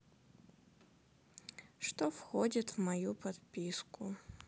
что входит в мою подписку